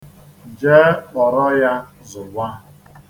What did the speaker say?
Jee kpọrọ ya zụwa.